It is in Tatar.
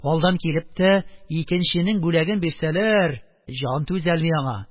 Алдан килеп тә, икенченең бүләген бирсәләр, җан түзәлми аңа..